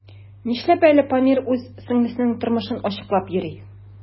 Нишләп әле Памир үз сеңлесенең тормышын ачыклап йөри?